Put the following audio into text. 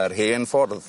Yr hen ffordd.